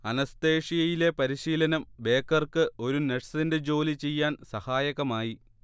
അനസ്തേഷ്യയിലെ പരിശീലനം ബേക്കർക്ക് ഒരു നഴ്സിന്റെ ജോലി ചെയ്യാൻ സഹായകമായി